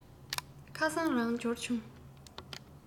ཁ སང རང འབྱོར བྱུང